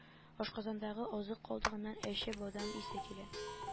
Ашказанындагы азык калдыгыннан әче бадәм исе килә